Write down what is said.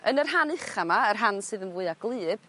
yn y rhan ucha 'ma y rhan sydd yn fwya gwlyb